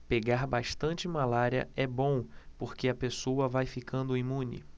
pegar bastante malária é bom porque a pessoa vai ficando imune